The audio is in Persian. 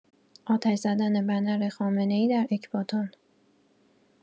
آتش‌زدن بنر خامنه‌ای در اکباتان